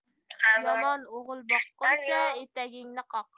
yomon o'g'il boqquncha etagingni qoq